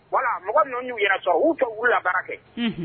Wala mɔgɔ ninnu y'u yɛrɛ sɔrɔ a y'u ka wu baara kɛ